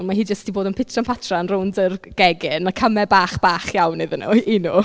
Ma' hi jyst 'di bod yn pitran patran rownd yr gegin a camau bach bach iawn iddyn nhw... y'n nhw.